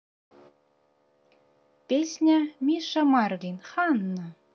песня миша марвин ханна